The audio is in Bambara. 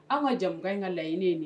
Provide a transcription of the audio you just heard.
Anw ka jamukan in ka laɲini ye